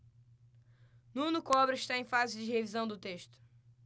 nuno cobra está em fase de revisão do texto